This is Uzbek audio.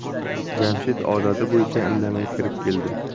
jamshid odati bo'yicha indamay kirib keldi